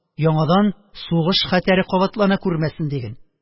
Яңадан сугыш хәтәре кабатлана күрмәсен диген